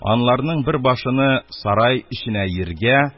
Анларның бер башыны сарай эченә йиргә